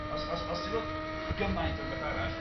Os os os 'di rwbeth gymaint o rywbeth arall